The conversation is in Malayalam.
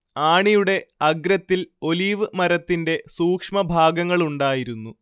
ആണിയുടെ അഗ്രത്തിൽ ഒലീവ് മരത്തിന്റെ സൂക്ഷ്മഭാഗങ്ങളുണ്ടായിരുന്നു